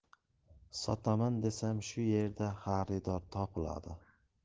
sotaman desam shu yerda xaridor topiladi